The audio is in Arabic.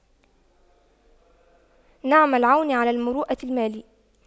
نعم العون على المروءة المال